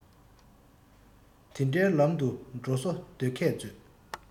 དེ འདྲའི ལམ དུ འགྲོ བཟོ སྡོད མཁས མཛོད